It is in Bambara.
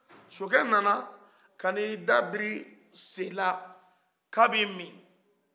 sokɛ nana kana a da biri se la k'a bɛ a mi